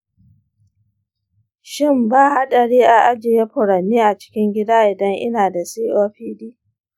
shin ba haɗari a ajiye furanni a cikin gida idan ina da copd?